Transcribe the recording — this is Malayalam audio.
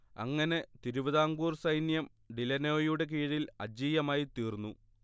അങ്ങനെ തിരുവിതാംകൂർ സൈന്യം ഡി ലനോയുടെ കീഴിൽ അജയ്യമായിത്തീർന്നു